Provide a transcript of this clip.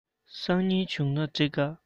སང ཉིན བྱུང ན འགྲིག ག